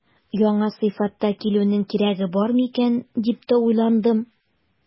Яңа сыйфатта килүнең кирәге бар микән дип тә уйландым.